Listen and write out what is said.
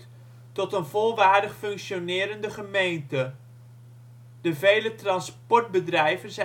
volwaardig functionerende gemeente. De vele transportbedrijven zijn kenmerkend